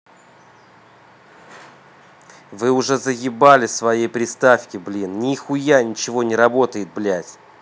вы уже заебали своей приставки блин нихуя ничего не работает блядь